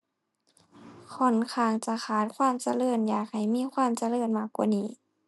ค่อนข้างจะขาดความเจริญ อยากให้มีความเจริญมากกว่านี้